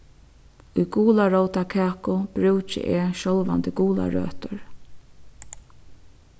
í gularótakaku brúki eg sjálvandi gularøtur